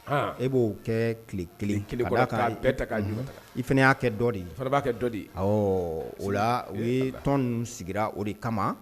E b'o kɛ kelen- kelen ka bɛɛ ta i fana y'a kɛ dɔ'a kɛ dɔ o la u ye tɔn sigira o de kama